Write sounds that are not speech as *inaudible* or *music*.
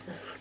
*hesitation* *hesitation*